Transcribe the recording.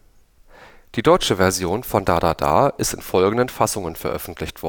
Die deutsche Version von „ Da Da Da “ist in folgenden Fassungen veröffentlicht